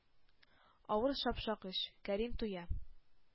Авыр, шапшак эш. Кәрим туя.